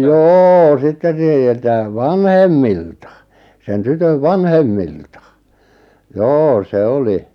jo sitten - niiltä vanhemmilta sen tytön vanhemmilta joo se oli